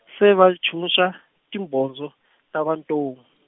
se va ntshunxa timhondzo ta bantomu.